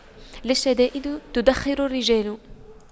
للشدائد تُدَّخَرُ الرجال